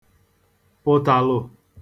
pụ̀tàlụ̀